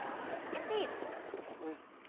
em xin